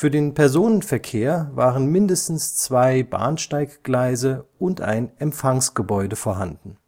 den Personenverkehr waren mindestens zwei Bahnsteiggleise und ein Empfangsgebäude vorhanden